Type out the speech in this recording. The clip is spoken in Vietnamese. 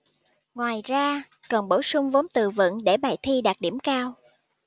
ngoài ra cần bổ sung vốn từ vựng để bài thi đạt điểm cao